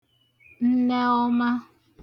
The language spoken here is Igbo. nnẹọma